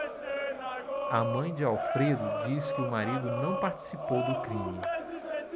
a mãe de alfredo diz que o marido não participou do crime